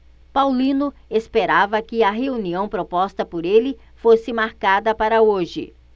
paulino esperava que a reunião proposta por ele fosse marcada para hoje